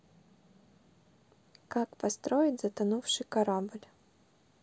как построить затонувший корабль